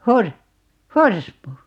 - horsmu